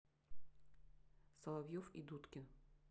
соловьев и дудкин